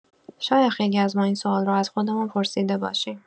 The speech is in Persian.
شاید خیلی از ما این سوال رو از خودمون پرسیده باشیم.